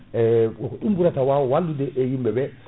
e ko ɗum ɓuurata waw wallude yimɓeɓe